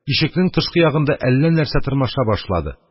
Ишекнең тышкы ягында әллә нәрсә тырмаша башлады